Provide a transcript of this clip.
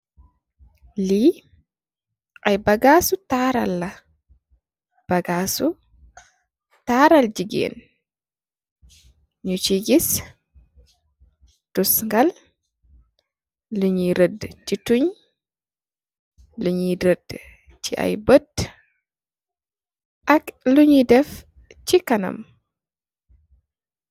Li aye bagass si taral la bagasu taral gigeen nyung si giss tuskal lunyee reader si tonj, aye bott an lunyee daf si kanam